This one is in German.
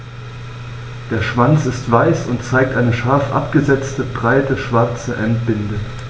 Der Schwanz ist weiß und zeigt eine scharf abgesetzte, breite schwarze Endbinde.